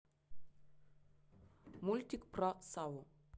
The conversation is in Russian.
мультик про савву